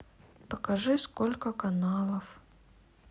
покажи сколько каналов